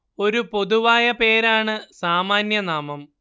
ഒരു പൊതുവായ പേരാണ് സാമാന്യ നാമം